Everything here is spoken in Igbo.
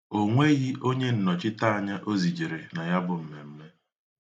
O nweghị onyennọchiteanya o zijere na ya bụ mmemme.